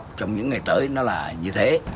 trong những ngày tới nó là như thế